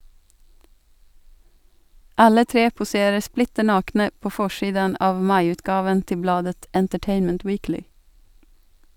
Alle tre poserer splitter nakne på forsiden av maiutgaven til bladet Entertainment Weekly.